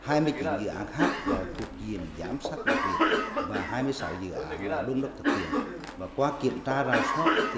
hai mươi chín dự án khác là thuộc diện giám sát đặc biệt và hai mươi sáu dự án là đôn đốc thực hiện và qua kiểm tra rà soát thì